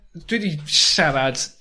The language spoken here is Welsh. ...dwi 'di siarad